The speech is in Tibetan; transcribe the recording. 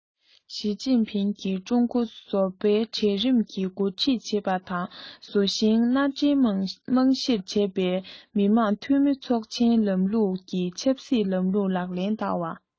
ཞིས ཅིན ཕིང གིས ཀྲུང གོར བཟོ པའི གྲལ རིམ གྱིས འགོ ཁྲིད བྱེད པ དང བཟོ ཞིང མནའ འབྲེལ རྨང གཞིར བྱས པའི མི དམངས འཐུས མི ཚོགས ཆེན ལམ ལུགས ཀྱི ཆབ སྲིད ལམ ལུགས ལག ལེན བསྟར བ